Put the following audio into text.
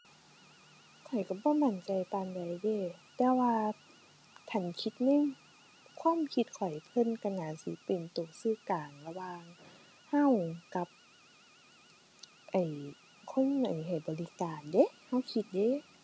ข้อยก็บ่มั่นใจปานใดเดะ แต่ว่าคันคิดในความคิดข้อยเพิ่นก็น่าสิเป็นก็สื่อกลางระหว่างก็กับไอ้ คนไอ้ให้บริการเดะ ก็คิดเดะ